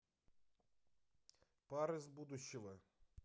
пар из будущего